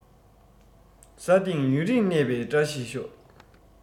ས སྟེང ཡུན རིང གནས པའི བཀྲ ཤིས ཤོག